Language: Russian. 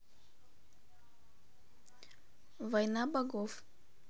война богов